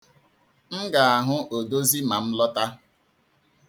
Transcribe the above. M ga-ahụ odozi ma m lọta.